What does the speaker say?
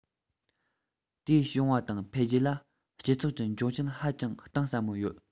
དེའི བྱུང བ དང འཕེལ རྒྱས ལ སྤྱི ཚོགས ཀྱི འབྱུང རྐྱེན ཧ ཅང གཏིང ཟབ མོ ཡོད